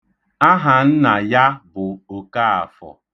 Ahanna ya bụ Okaafọ.